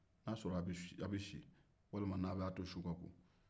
na sɔrɔ la a bɛ si walima n'a b'a to su ka ko